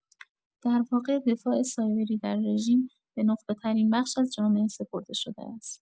در واقع دفاع سایبری در رژیم به نخبه‌ترین بخش از جامعه سپرده شده است.